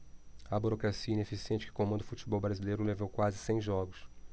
a burocracia ineficiente que comanda o futebol brasileiro levou quase cem jogos